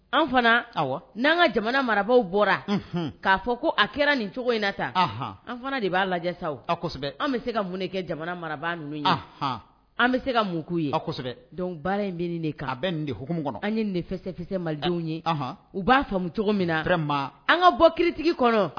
An fana n'an ka jamana marabaw bɔra k'a fɔ ko a kɛra nin cogo in na sa an fana de b'a lajɛsa an bɛ se ka mun kɛ jamana marabaa ye an bɛ se ka mun ye baara in bɛ nin bɛ nin hkumu kɔnɔ an ye ninsɛkisɛ madenw ye u b'a faamu cogo min na an ka bɔ kitigi kɔnɔ